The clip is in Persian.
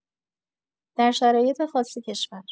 در شرایط خاص کشور